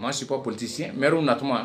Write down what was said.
Ma sip politesi mɛriw natuma